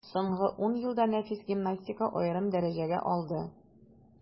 Соңгы ун елда нәфис гимнастика аерым дәрәҗәгә алды.